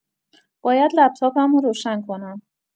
باید لپتاپمو روشن کنم.